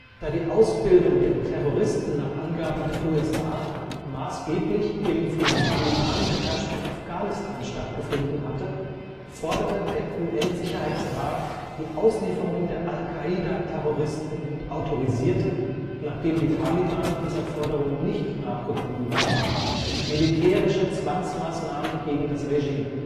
Da die Ausbildung der Terroristen nach Angaben der USA maßgeblich im von den Taliban beherrschten Afghanistan stattgefunden hatte, forderte der UN-Sicherheitsrat die Auslieferung der Al-Qaida-Terroristen und autorisierte, nachdem die Taliban dieser Forderung nicht nachgekommen waren, militärische Zwangsmaßnahmen gegen das Regime